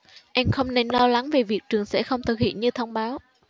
em không nên lo lắng về việc trường sẽ không thực hiện như thông báo